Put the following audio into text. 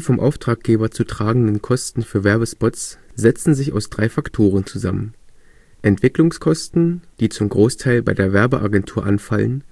vom Auftraggeber zu tragenden Kosten für Werbespots setzen sich aus drei Faktoren zusammen: Entwicklungskosten, die zum Großteil bei der Werbeagentur anfallen,